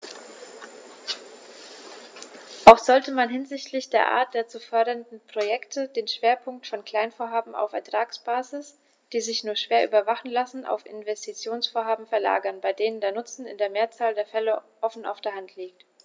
Auch sollte man hinsichtlich der Art der zu fördernden Projekte den Schwerpunkt von Kleinvorhaben auf Ertragsbasis, die sich nur schwer überwachen lassen, auf Investitionsvorhaben verlagern, bei denen der Nutzen in der Mehrzahl der Fälle offen auf der Hand liegt.